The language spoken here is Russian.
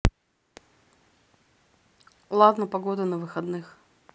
ладно погода на выходных